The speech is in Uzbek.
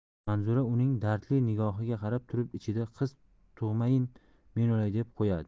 manzura uning dardli nigohiga qarab turib ichida qiz tug'mayin men o'lay deb qo'yadi